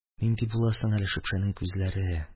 Нинди була соң әле шөпшәнең күзләре?